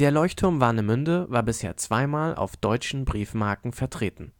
Leuchtturm Warnemünde war bisher zweimal auf deutschen Briefmarken vertreten